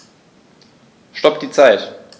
Stopp die Zeit